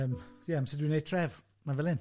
Yym, ie, amser dwi'n wneud tref, mae'n fel hyn.